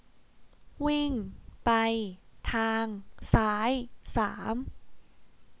วิ่งไปทางซ้ายสาม